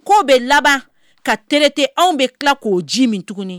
K'o bɛ laban ka traiter anw bɛ tila k'o ji min tugun.